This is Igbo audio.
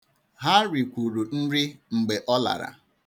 Ha rikwuru nri mgbe ọ lara.